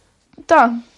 Ydw.